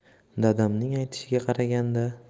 dadamning aytishiga qaraganda